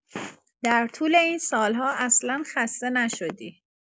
در طول این سال‌ها اصلا خسته نشدی؟!